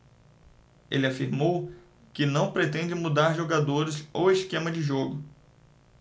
ele afirmou que não pretende mudar jogadores ou esquema de jogo